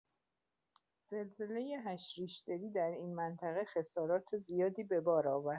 زلزله هشت ریش‌تری در این منطقه خسارات زیادی به بار آورد.